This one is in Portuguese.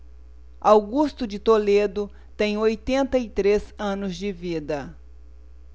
augusto de toledo tem oitenta e três anos de vida